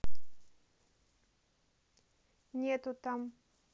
нету там